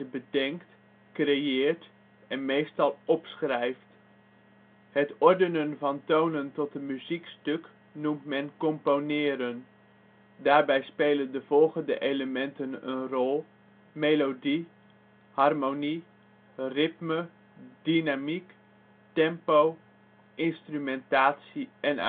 bedenkt, creëert en meestal opschrijft). De ordening van tonen tot een muziekstuk noemt men componeren. Daarbij spelen de volgende elementen een rol: melodie, harmonie, ritme, dynamiek, tempo, instrumentatie en